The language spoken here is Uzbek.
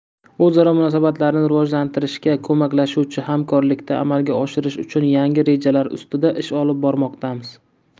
o'zaro munosabatlarni rivojlantirishga ko'maklashuvchi hamkorlikda amalga oshirish uchun yangi rejalar ustida ish olib bormoqdamiz